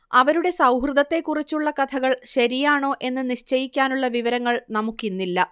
അവരുടെ സൗഹൃദത്തെക്കുറിച്ചുള്ള കഥകൾ ശരിയാണോ എന്ന് നിശ്ചയിക്കാനുള്ള വിവരങ്ങൾ നമുക്കിന്നില്ല